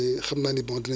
sànq ñu ngi wax rek